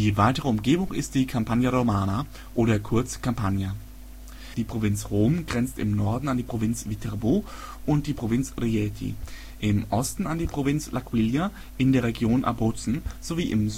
weitere Umgebung ist die Campagna Romana oder kurz Campagna. Die Provinz Rom grenzt im Norden an die Provinz Viterbo und die Provinz Rieti, im Osten an die Provinz L'Aquila in der Region Abruzzen, sowie im